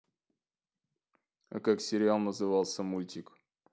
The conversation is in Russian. а как сериал назывался мультик